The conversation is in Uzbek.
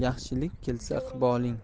yaxshilik kelsa iqboling